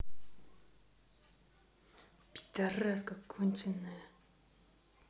пидараска конченная